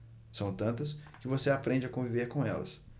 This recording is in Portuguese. são tantas que você aprende a conviver com elas